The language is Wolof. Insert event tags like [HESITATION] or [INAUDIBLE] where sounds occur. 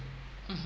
[HESITATION] [HESITATION]